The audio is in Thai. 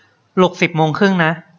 ปลุกสิบโมงครึ่งนะ